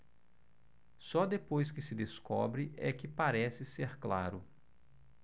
só depois que se descobre é que parece ser claro